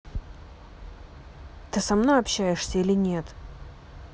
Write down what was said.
ты со мной общаешься или нет